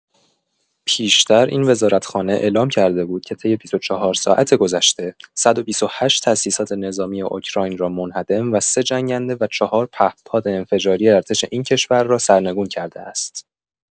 پیشتر این وزارتخانه اعلام کرده بود که طی ۲۴ ساعت گذشته، ۱۲۸ تاسیسات نظامی اوکراین را منهدم و ۳ جنگنده و ۴ پهپاد انفجاری ارتش این کشور را سرنگون کرده است.